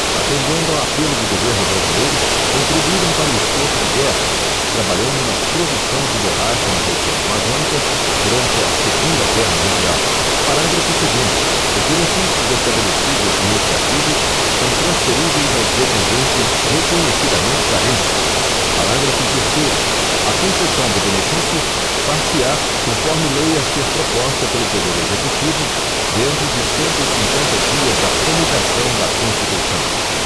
atendendo a apelo do governo brasileiro contribuíram para o esforço de guerra trabalhando na produção de borracha na região amazônica durante a segunda guerra mundial parágrafo segundo os benefícios estabelecidos neste artigo são transferíveis aos dependentes reconhecidamente carentes parágrafo terceiro a concessão do benefício far se á conforme lei a ser proposta pelo poder executivo dentro de cento e cinqüenta dias da promulgação da constituição